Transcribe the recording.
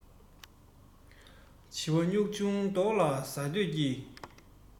བྱི བ སྨྱུག ཆུང ལྟོགས ལ ཟ འདོད ཀྱིས